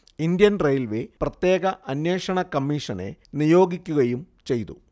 Indian railway പ്രത്യേക അന്വേഷണ കമ്മിഷനെ നിയോഗിക്കുകയും ചെയ്തു